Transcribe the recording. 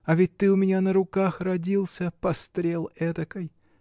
А ведь ты у меня на руках родился, пострел эдакой!